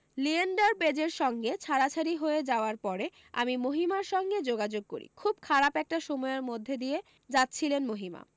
লিয়েন্ডার পেজের সঙ্গে ছাড়াছাড়ি হয়ে যাওয়ার পরে আমি মহিমার সঙ্গে যোগাযোগ করি খুব খারাপ একটা সময়ের মধ্যে দিয়ে যাচ্ছিলেন মহিমা